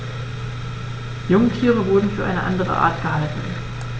Jungtiere wurden für eine andere Art gehalten.